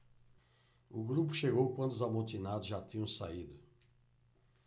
o grupo chegou quando os amotinados já tinham saído